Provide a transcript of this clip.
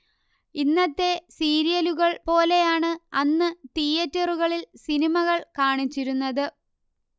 ഇന്നത്തെ സീരിയലുകൾ പോലെയാണ് അന്ന് തീയേറ്ററുകളിൽ സിനിമകൾ കാണിച്ചിരുന്നത്